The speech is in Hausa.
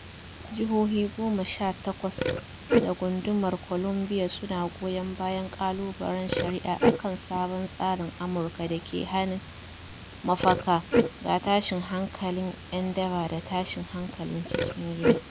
Jihohi goma sha takwas da Gundumar Columbia su na goyon bayan kalubalen shari’a akan sabon tsarin Amurka da ke hanin mafaka ga tashin hankalin yan daba da tashin hankalin cikin gida.